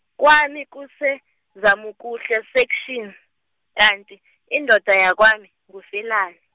kwami kuseZamokuhle Section, kanti indoda yakwami nguFelani.